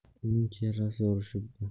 uning chehrasi yorishibdi